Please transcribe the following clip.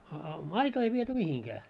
a a maitoa ei viety mihinkään